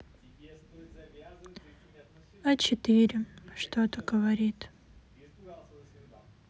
а четыре что то говорит